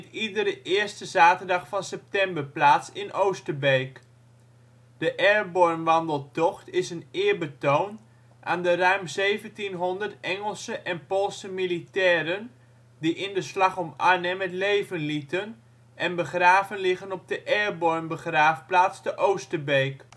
iedere eerste zaterdag van september plaats in Oosterbeek. De Airborne Wandeltocht is een eerbetoon aan de ruim 1700 Engelse en Poolse militairen die in de Slag om Arnhem het leven lieten en begraven liggen op de Airborne Begraafplaats te Oosterbeek